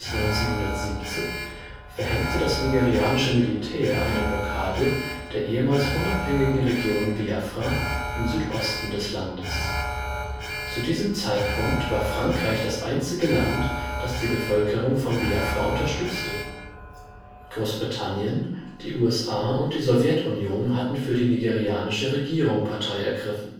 1967 – 70) verhängte das nigerianische Militär eine Blockade der ehemals unabhängigen Region Biafra im Südosten des Landes. Zu diesem Zeitpunkt war Frankreich das einzige Land, das die Bevölkerung von Biafra unterstützte. Großbritannien, die USA und die Sowjetunion hatten für die nigerianische Regierung Partei ergriffen